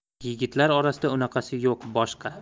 yigitlar orasida unaqasi yo'q boshqa